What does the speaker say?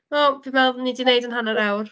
Wel, fi'n meddwl dan ni 'di wneud ein hanner awr.